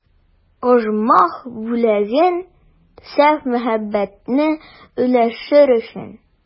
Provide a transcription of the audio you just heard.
Оҗмах бүләген, саф мәхәббәтне өләшер өчен.